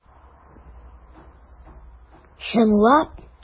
Чынлап!